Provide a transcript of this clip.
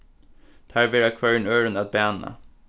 teir verða hvørjum øðrum at bana